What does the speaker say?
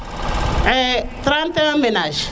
31 ménages